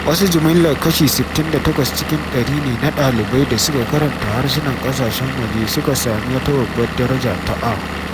Wata jimillar kashi 68 cikin ɗari ne na ɗalibai da suka karanta harsunan ƙasashen waje suka sami wata Babbar daraja ta A.